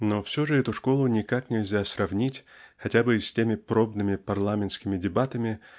Но все же эту школу никак нельзя сравнить хотя бы с теми пробными парламентскими дебатами